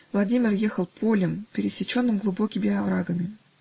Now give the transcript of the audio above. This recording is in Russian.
Владимир ехал полем, пересеченным глубокими оврагами.